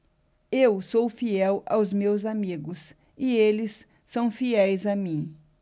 eu sou fiel aos meus amigos e eles são fiéis a mim